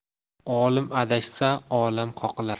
olim adashsa olam qoqilar